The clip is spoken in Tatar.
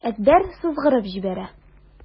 Әкбәр сызгырып җибәрә.